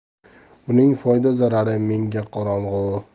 buning foyda zarari menga qorong'i